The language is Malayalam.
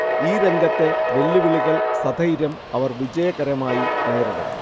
ഈ രംഗത്തെ വെല്ലുവിളികൾ സധൈര്യം അവർ വിജയകരമായി നേരിടണം